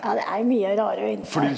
ja, det er jo mye rare øyne der.